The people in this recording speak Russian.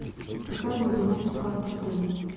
какая глубина песка в пустыне